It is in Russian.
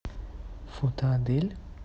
фото адель